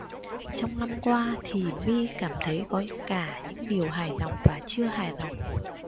trong năm qua thì my cảm thấy có cả những điều hài lòng và chưa hài lòng